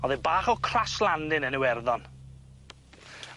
o'dd e bach o crash landin yn Iwerddon.